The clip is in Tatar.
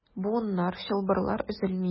Буыннар, чылбырлар өзелми.